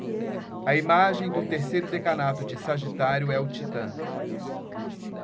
a imagem do terceiro decanato de sagitário é o titã